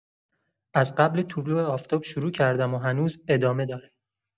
از قبل طلوع آفتاب شروع کردم و هنوز ادامه داره.